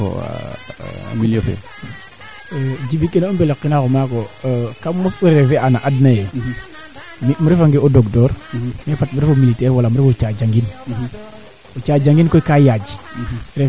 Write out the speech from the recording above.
o ndeeta ngaan aussi le faite que o ndeeta ngeen nuun fa qooqx nuun nu moƴo mbitnaala kee ando naye ten refu a pifiinale fo par rapport xa qola xe an naye den ndefu koɓale keene fop xa waralu keene